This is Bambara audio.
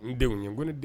N denw ye ko ne den